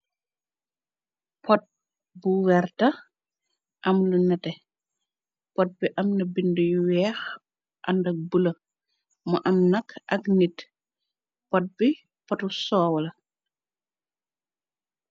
Pot bu werta am lu nete, pot bi am na bind yu weex andak bula, mu amnak ak nit. Pot bi, poti soow la.